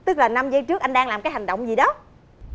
tức là năm giây trước anh đang làm cái hành động đó